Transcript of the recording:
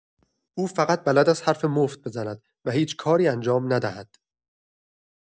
او فقط بلد است حرف مفت بزند و هیچ کاری انجام ندهد.